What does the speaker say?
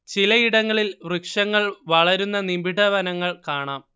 ചിലയിടങ്ങളിൽ വൃക്ഷങ്ങൾ വളരുന്ന നിബിഡ വനങ്ങൾ കാണാം